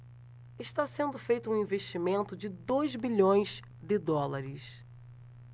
está sendo feito um investimento de dois bilhões de dólares